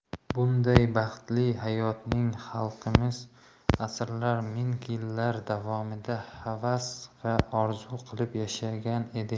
bunday baxtli hayotni xalqimiz asrlar ming yillar davomida havas va orzu qilib yashagan edi